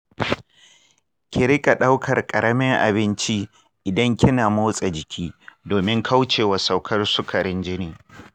ki riƙa ɗaukar ƙaramin abin ci idan kina motsa jiki domin kauce wa saukar sukarin jini.